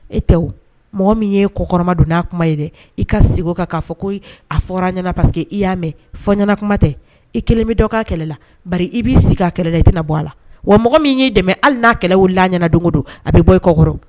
E tɛ o mɔgɔ min ye kɔkɔrɔma don n'a kuma ye dɛ i ka sigi o kan k'a fɔ ko a fɔra a ɲɛna parce que i y'a mɛn fɔɲɛna kuma tɛ i 1 bɛ dɔ k'a kɛlɛ la bari i b'i si kɛ a kɛlɛ la i tɛ na bɔ a la wa mɔgɔ min y'i dɛmɛ hali n'a kɛlɛ wuli la ɲɛna don o don a bɛ bɔ i kɔkɔrɔ.